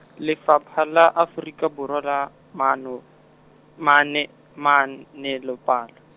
Lefapha la Afrika Borwa la, Maano-, Maane-, Man- -nelopalo.